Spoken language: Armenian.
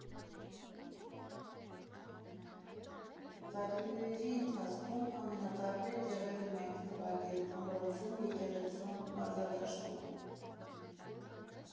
Տարիների ընթացքում ամենատարբեր տեղերում ենք նվագել՝ ամրոցում, եկեղեցում, մարզադաշտում։